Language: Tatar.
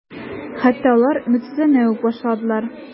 Хәтта алар өметсезләнә үк башладылар.